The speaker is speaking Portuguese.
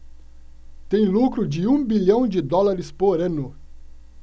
tem lucro de um bilhão de dólares por ano